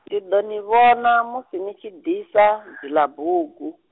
ndi ḓo ni vhona, musi ni tshi ḓisa , dzila bugu.